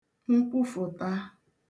nkwufụ̀ta